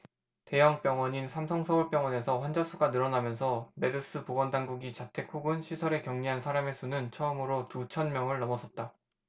대형 병원인 삼성서울병원에서 환자수가 늘어나면서 메르스로 보건당국이 자택 혹은 시설에 격리한 사람의 수는 처음으로 두 천명을 넘어섰다